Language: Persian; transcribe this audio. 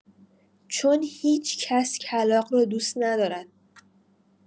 چون هیچ‌کس کلاغ را دوست ندارد.